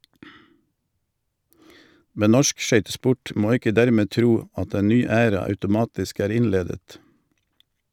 Men norsk skøytesport må ikke dermed tro at en ny æra automatisk er innledet.